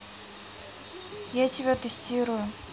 я тебя тестирую